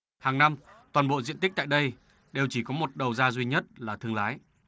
hằng năm toàn bộ diện tích tại đây đều chỉ có một đầu ra duy nhất là thương lái